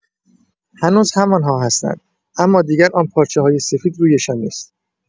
هنوز همان‌ها هستند، اما دیگر آن پارچه‌های سفید رویشان نیست.